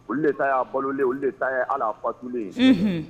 Olu de' balolen de ta ye ala fatulen ye